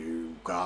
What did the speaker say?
Ga